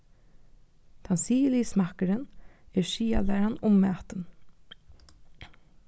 tann siðiligi smakkurin er siðalæran um matin